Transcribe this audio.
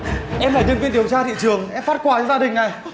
em là nhân viên điều tra thị trường em phát quà cho gia đình này